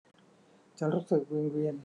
ฉันรู้สึกวิงเวียน